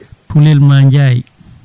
Tulel Mandiaye